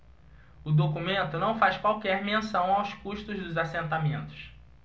o documento não faz qualquer menção aos custos dos assentamentos